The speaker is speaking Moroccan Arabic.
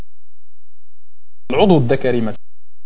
العضو الذكري